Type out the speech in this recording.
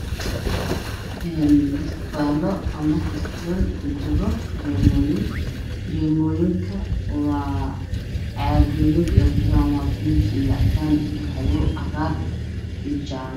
Halkaan waxaa ka muuqdo iska faalo ay ku jiraan shaambooyin midabyo kala duwan leh sida cadaan, jaalo, pink iyo cagaar